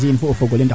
a